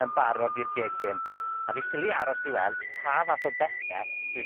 yn barod i'r gegin, a fi ffili aros i weld pa fath o bethe bydd...